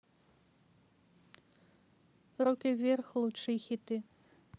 руки вверх лучшие хиты